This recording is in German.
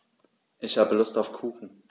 Ich habe Lust auf Kuchen.